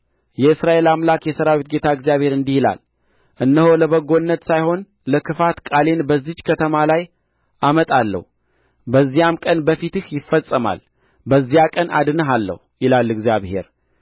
የእስራኤል አምላክ የሠራዊት ጌታ እግዚአብሔር እንዲህ ይላል እነሆ ለበጎነት ሳይሆን ለክፋት ቃሌን በዚህች ከተማ ላይ አመጣለሁ በዚያም ቀን በፊትህ ይፈጸማል በዚያ ቀን አድንሃለሁ ይላል እግዚአብሔር